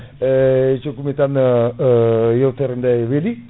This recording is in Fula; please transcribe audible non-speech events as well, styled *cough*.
*hesitation* cikkumi tan *hesitation* yewterede weli